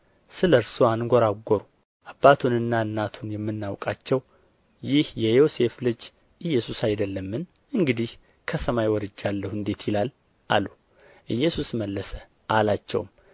ስለ እርሱ አንጐራጐሩና አባቱንና እናቱን የምናውቃቸው ይህ የዮሴፍ ልጅ ኢየሱስ አይደለምን እንግዲህ ከሰማይ ወርጃለሁ እንዴት ይላል አሉ ኢየሱስ መለሰ አላቸውም